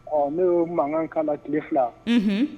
Ɔ ne y'o mankan k'a la tile fila